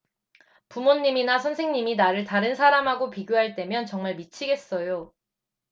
부모님이나 선생님이 나를 다른 사람하고 비교할 때면 정말 미치겠어요